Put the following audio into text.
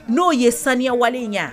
N'o ye saniya wale in ye wa?